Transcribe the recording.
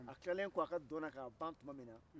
a tilalen kɔ a ka dɔn na k'a ban tuma min na